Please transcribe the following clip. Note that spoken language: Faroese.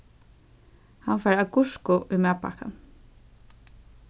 hann fær agurku í matpakkan